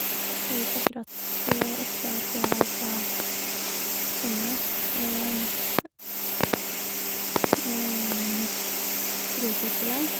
Det er ikke akkurat t ofte at vi har fra sånne tropiske land.